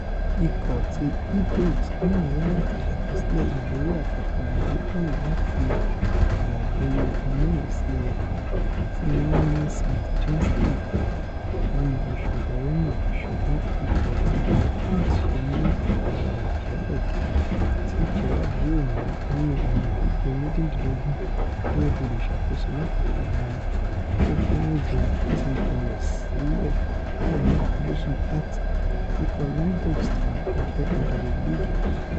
Ikọ̀ ti Ibrox náà ńwá láti ṣàkọsílẹ̀ ìborí àkọ́kọ́ wọn lójú ọ̀nà láti ìgbà ìborí 4-1 tíwọ́n ní ni St Johnstone nínú oṣù Ẹrẹ́ná, ṣùgbọ́n ikọ̀ ti Gary Holt ṣe wọ́nní ìpalára ìjìyà ẹlẹ́ẹ̀kejì tí Gerrard yóò ní nínú àwọn ìdíje méjìdínlógún gẹ́gẹ́bí olùṣàkóso láti fi àwọn kókó mẹ́jọ ti ikọ̀ rẹ̀ sílẹ̀ láìní àfojúsùn Hearts ikọ̀ Ladbrokes tíwọ́n jẹ́ adarí Líìgí Àkọ́kọ́.